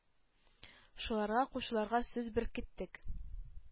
Шуларга кушылырга сүз беркеттек,